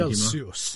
Celsiws.